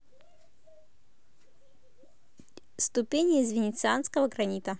ступени из винницкого гранита